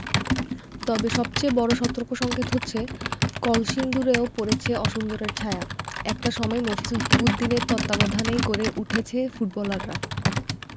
তবে সবচেয়ে বড় সতর্কসংকেত হচ্ছে কলসিন্দুরেও পড়েছে অসুন্দরের ছায়া একটা সময় মফিজ উদ্দিনের তত্ত্বাবধানেই গড়ে উঠেছে ফুটবলাররা